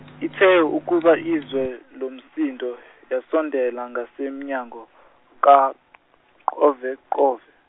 ithe ukuba izwe lomsindo, yasondela ngasemnyango, kaQoveqove.